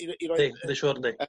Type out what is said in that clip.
. Yndi siŵr yndi.